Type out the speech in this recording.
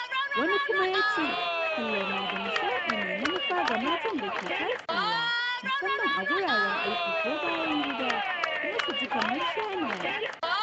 wani kuma yace: “tallar na da nishadi mai manufa ga matan da ke tatsewa (musamman a guraren aiki ko bayan gida) kuma su ji kamar “shanaye.”